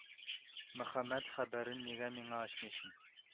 Мөхәммәт хәбәрен нигә миңа ачмыйсың